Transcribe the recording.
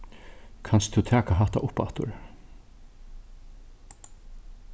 kanst tú taka hatta uppaftur